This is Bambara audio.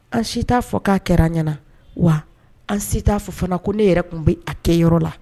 An si ta fɔ ka kɛra an ɲɛna . Wa an si ta fɔ fana ko ne yɛrɛ kun bɛ a kɛ yɔrɔ la.